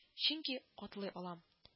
Чөнки атлый алам